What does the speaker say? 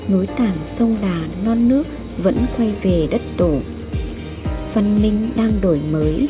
núi tản sông đà non nước vẫn quay về đất tổ văn minh đang đổi mới